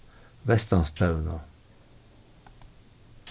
vestanstevna